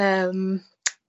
Yym.